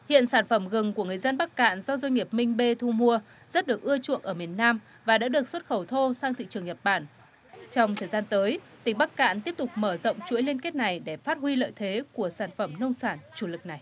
hiện sản phẩm gừng của người dân bắc kạn do doanh nghiệp minh bê thu mua rất được ưa chuộng ở miền nam và đã được xuất khẩu thô sang thị trường nhật bản trong thời gian tới tỉnh bắc cạn tiếp tục mở rộng chuỗi liên kết này để phát huy lợi thế của sản phẩm nông sản chủ lực này